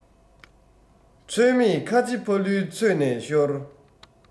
ཚོད མེད ཁ ཆེ ཕ ལུའི ཚོད ནས ཤོར